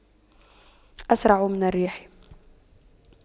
أسرع من الريح